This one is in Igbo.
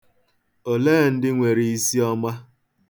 Olee ndị nwere isiọma?